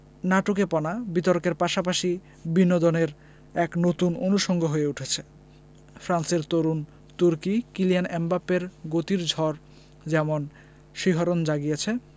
নাটুকেপনা বিতর্কের পাশাপাশি বিনোদনের এক নতুন অনুষঙ্গ হয়ে উঠেছে ফ্রান্সের তরুণ তুর্কি কিলিয়ান এমবাপ্পের গতির ঝড় যেমন শিহরণ জাগিয়েছে